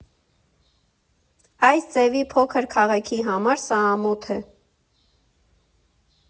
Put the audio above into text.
Այս ձևի փոքր քաղաքի համար սա ամոթ է։